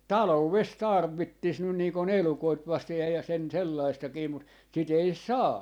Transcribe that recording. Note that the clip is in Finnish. taloudessa tarvitsisi nyt niin kuin elukoita vasten ja ja sen sellaistakin mutta sitä ei saa